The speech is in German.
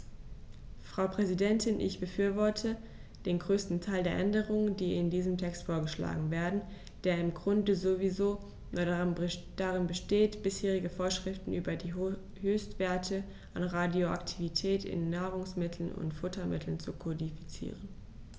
Frau Präsidentin, ich befürworte den größten Teil der Änderungen, die in diesem Text vorgeschlagen werden, der im Grunde sowieso nur darin besteht, bisherige Vorschriften über die Höchstwerte an Radioaktivität in Nahrungsmitteln und Futtermitteln zu kodifizieren.